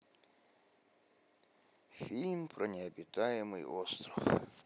фильм про необитаемый остров